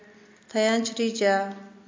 tayanch reja